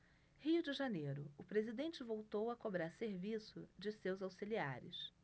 rio de janeiro o presidente voltou a cobrar serviço de seus auxiliares